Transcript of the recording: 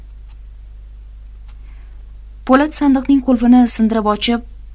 po'lat sandiqning qulfini sindirib ochib